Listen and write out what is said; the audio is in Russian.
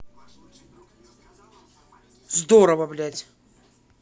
здорово блядь